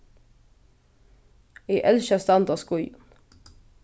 eg elski at standa á skíðum